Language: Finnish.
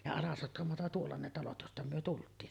ja Alasotkamoa tuolla ne talot josta me tultiin